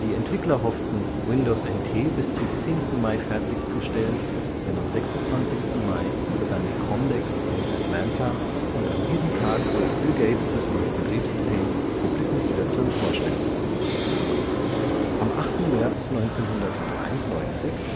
Entwickler hofften, Windows NT bis zum 10. Mai fertigzustellen, denn am 26. Mai begann die COMDEX in Atlanta, und an diesem Tag sollte Bill Gates das neue Betriebssystem publikumswirksam vorstellen. Am 8. März 1993